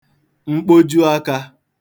mkpoju akā